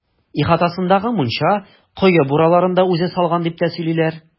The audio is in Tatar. Ихатасындагы мунча, кое бураларын да үзе салган, дип тә сөйлиләр.